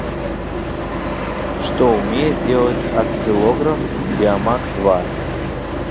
что умеет делать осциллограф диамаг два